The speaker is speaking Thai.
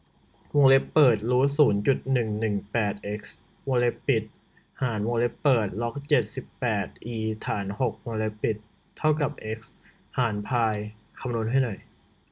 วงเล็บเปิดรูทศูนย์จุดหนึ่งหนึ่งแปดเอ็กซ์วงเล็บปิดหารวงเล็บเปิดล็อกเจ็ดสิบแปดอีฐานหกวงเล็บปิดเท่ากับเอ็กซ์หารพายคำนวณให้หน่อย